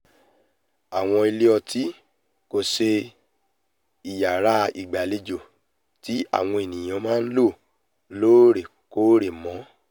Àwọn ilé ọtí kìí ṣe iyàrá ìgbàlejò tí àwọn èniyàn máa ńlọ lóòrè-kóòrè mọ́.